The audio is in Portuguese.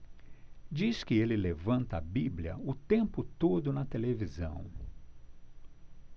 diz que ele levanta a bíblia o tempo todo na televisão